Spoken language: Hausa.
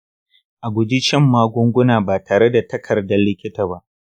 a guji shan magunguna ba tare da takardar likita ba.